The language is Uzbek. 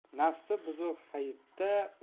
nafsi buzuq hayitda